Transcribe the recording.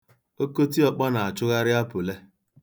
Okotiọkpọ na-achụgharị apụle.